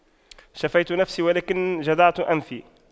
شفيت نفسي ولكن جدعت أنفي